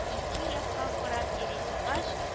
Ике якка карап йөри торгач